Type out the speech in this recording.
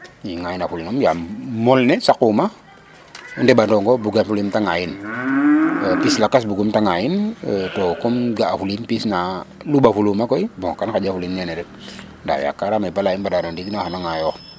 II ŋaaynafulinum yaam mol ne saquma ɗeɓanongo bugafulim ta ŋaayin .¨Pis lakas bugum te ŋaayin to comme ga'afulim pis na luɓafuluma koy bon kam xaƴafulin nene rek ndaa yakarame bala i mbada no ndiig na xana ŋaayoox.